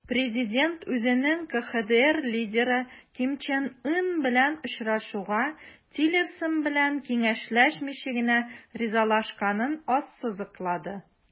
Президент үзенең КХДР лидеры Ким Чен Ын белән очрашуга Тиллерсон белән киңәшләшмичә генә ризалашканын ассызыклады.